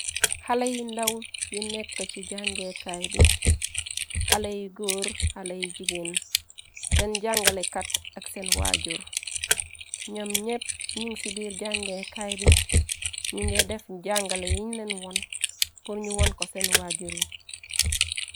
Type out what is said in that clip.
Haley ndaw yi nekk ci jàngeekaay bi. haley góor haley jigeen seen jàngale kat ak seen waajur ñoom ñépp ñing ci biir jàngeekaay bi ñu ngay def jàngale yiñ leen woon purñu woon ko seen waajur yi.